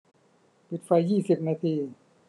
ปิดไฟยี่สิบนาที